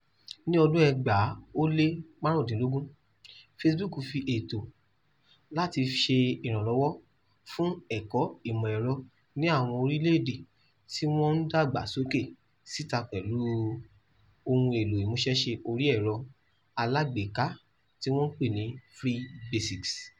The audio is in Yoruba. Ní ọdún 2015, Facebook fi ètò láti ṣe ìrànlọ́wọ́ fún ẹ̀kọ́ ìmọ̀-ẹ̀rọ ní àwọn orílẹ̀-èdè tí wọ́n ń dàgbà sókè síta pẹ̀lú ohun èlò ìmúṣẹ́ṣe orí ẹ̀rọ aláàgbéká tí wọ́n pè ní "Free Basics".